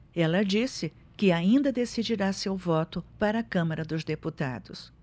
ela disse que ainda decidirá seu voto para a câmara dos deputados